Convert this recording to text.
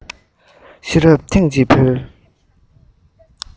ཤེས རབ ཐེངས གཅིག འཕེལ